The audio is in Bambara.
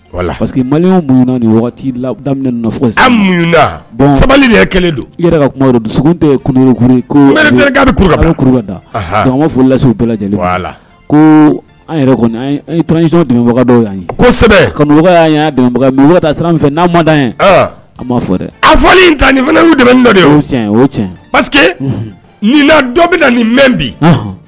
Sabali don yɛrɛ dusu da furulasiw lajɛ ko an yɛrɛ kosɛbɛ kanu sira min fɛ n'a ma da yan a ma fɔ a fɔ ta nin nin dɔ bɛ nin mɛn bi